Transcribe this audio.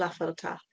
Laff ar y Taff.